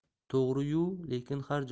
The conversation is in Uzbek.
to'g'ri yu lekin har